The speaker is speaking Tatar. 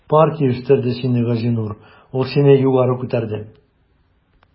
Партия үстерде сине, Газинур, ул сине югары күтәрде.